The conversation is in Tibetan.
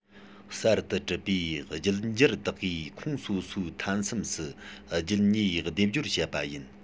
གསར ཏུ གྲུབ པའི རྒྱུད འགྱུར དག གིས ཁོངས སོ སོའི མཐའ མཚམས སུ རྒྱུད གཉིས སྡེབ སྦྱོར བྱེད པ ཡིན